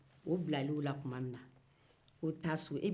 o bilalen o la tuma min na ko taa so